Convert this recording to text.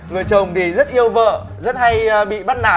người chồng thì rất yêu vợ rất hay bị bắt nạt